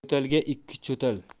bir yo'talga ikki cho'tal